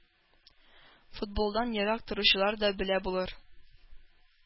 Футболдан ерак торучылар да белә булыр: